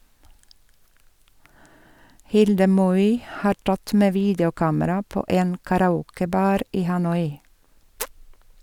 Hilde Moi har tatt med videokamera på en karaokebar i Hanoi.